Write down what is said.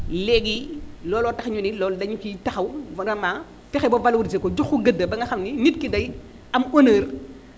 léegi looloo tax ñu ne loolu dañu ciy taxaw vraiment fexe ba valorisé ko jox ko gëdd ba nga xam ni nit ki day am honneur